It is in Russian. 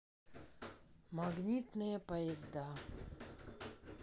магнитные поезда